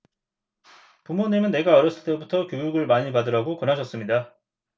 부모님은 내가 어렸을 때부터 교육을 많이 받으라고 권하셨습니다